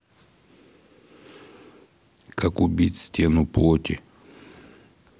как убить стену плоти